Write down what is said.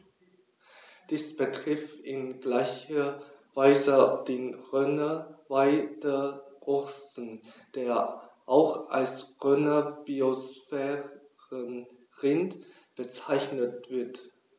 Dies betrifft in gleicher Weise den Rhöner Weideochsen, der auch als Rhöner Biosphärenrind bezeichnet wird.